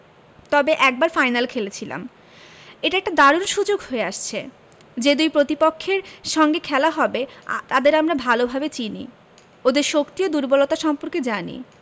তবে একবার ফাইনাল খেলেছিলাম এটা একটা দারুণ সুযোগ হয়ে আসছে যে দুই প্রতিপক্ষের সঙ্গে খেলা হবে তাদের আমরা ভালোভাবে চিনি ওদের শক্তি ও দুর্বলতা সম্পর্কে জানি